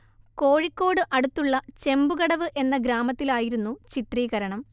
കോഴിക്കോട് അടുത്തുള്ള ചെമ്പുകടവ് എന്ന ഗ്രാമത്തിലായിരുന്നു ചിത്രീകരണം